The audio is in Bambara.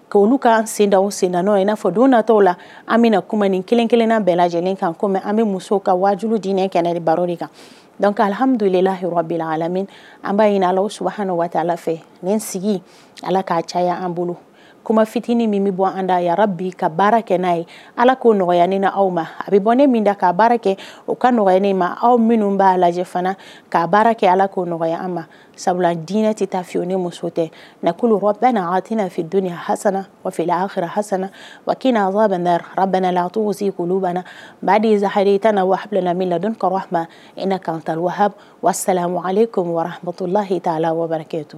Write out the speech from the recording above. Ka olu ka senda senda'o in n'a fɔ don na taa la an bɛna kuma ni kelen kelen na bɛɛ lajɛlen kan ko an bɛ muso ka wajju dinɛ kɛnɛ baro de kan dɔnkuhamidulahi ala an b'a ɲini ala waati ala fɛ ni sigi ala k'a caya an bolo kumama fitinin min bɛ bɔ an da bi ka baara kɛ n'a ye ala k'o nɔgɔya ne na aw ma a bɛ bɔ ne min' baara kɛ o ka nɔgɔya ma aw minnu b'a lajɛ k'a baara kɛ ala k'o nɔgɔya an ma sabula dinɛ tɛ taa fiwu ni muso tɛ nka ko bɛɛ na ati'a don ni hasa' fɛ hasa wa' bɛ hahara bɛna la baden nha i taa na wahadula min don eta ale wahato laha t' la wake tugun